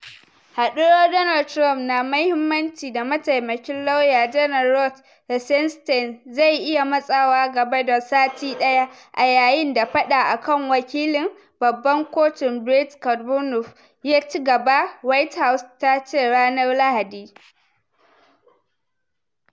Haduwar Donald Trump na mahimmanci da mataimakin lauya janar Rod Rosenstein zai iya “matsawa gaba da sati daya” a yayin da fada akan waklin babban kotu Brett Kavanaugh ya ci gaba, White House ta ce ranar Lahadi.